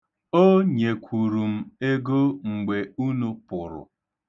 O nyekwuru m ego mgbe unu pụrụ.